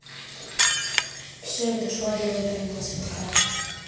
все я пришла делать намаз пока